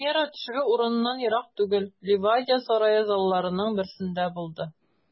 Премьера төшерү урыныннан ерак түгел, Ливадия сарае залларының берсендә булды.